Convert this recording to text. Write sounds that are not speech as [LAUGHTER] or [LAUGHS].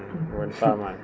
woni faamaani [LAUGHS]